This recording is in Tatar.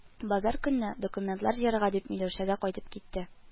Базар көнне, «документлар» җыярга дип, Миләүшәгә кайтып китте